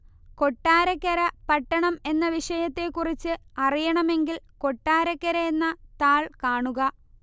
കൊട്ടാരക്കര പട്ടണം എന്ന വിഷയത്തെക്കുറിച്ച് അറിയണമെങ്കിൽ കൊട്ടാരക്കര എന്ന താൾ കാണുക